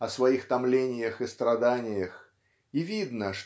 о своих томлениях и страданиях. И видно